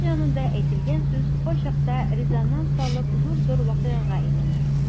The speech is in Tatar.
Ризык янында әйтелгән сүз кайчакта резонанс алып зур-зур вакыйгага әйләнә.